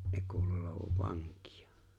ne kuuluu olevan vankeja